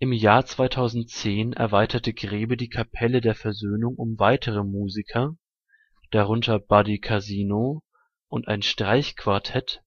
Im Jahr 2010 erweiterte Grebe die Kapelle der Versöhnung um weitere Musiker, darunter Buddy Casino und ein Streichquartett,